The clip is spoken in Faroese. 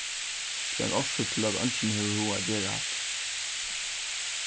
tað er ein orsøk til at eingin hevur hug at gera hatta